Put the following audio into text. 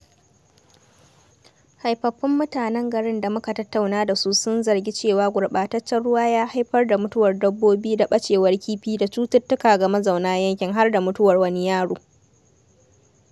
Haifaffun Mutanen garin da muka tattauna dasu sun zargi cewa gurɓataccen ruwa ya haifar da mutuwar dabbobi da ɓacewar kifi da cututtuka ga mazauna yankin har da mutuwar wani yaro.